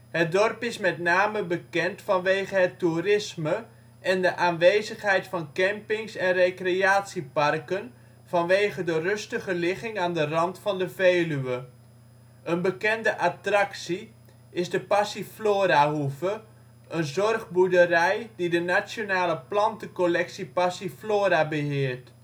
Het dorp is met name bekend vanwege het toerisme en de aanwezigheid van campings en recreatieparken vanwege de rustige ligging aan de rand van de Veluwe. Een bekende attractie is de Passiflorahoeve, een zorgboerderij die de Nationale Plantencollectie Passiflora beheert